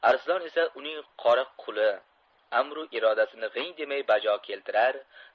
arlon esa uning qora quli amru irodasini g'ing demay bajo keltirar